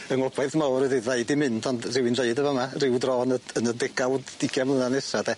Yng ngobaith mawr ydi raid fi mynd ond rywun deud yn fa' 'ma ryw dro yn y yn y degawd dugian mlynadd nesa de?